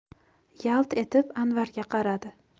yalt etib anvarga qaradi